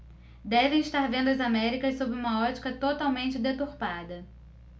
devem estar vendo as américas sob uma ótica totalmente deturpada